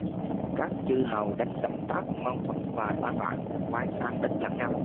các chư hầu đánh đổng trác mâu thuẫn và tan rã quay sang đánh lẫn nhau